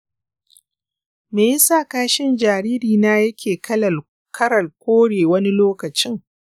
me ya sa kashin jaririna yake kalar kore wani lokacin?